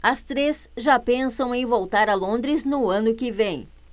as três já pensam em voltar a londres no ano que vem